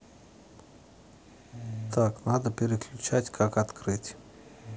так надо переключать как открыть